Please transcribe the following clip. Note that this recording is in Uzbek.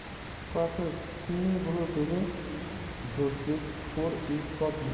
shubhasiz shunday bo'lur dedi do'stbek chuqur etiqod bilan